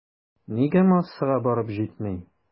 Нигә массага барып җитми?